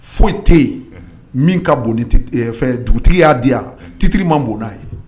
Foyi tɛ yen min ka bon dugutigi y'a di yan titiriri ma bon'a ye